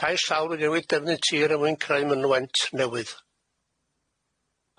Cais llawn i newid dyfnydd tir er mwyn creu mynwent newydd.